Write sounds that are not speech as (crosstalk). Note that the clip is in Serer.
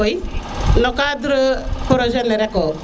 no (hesitation) cadre projet :fran ne reko (laughs)